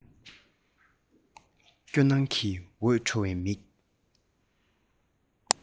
སྐྱོ སྣང གི འོད འཕྲོ བའི མིག